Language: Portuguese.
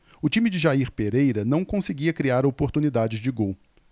o time de jair pereira não conseguia criar oportunidades de gol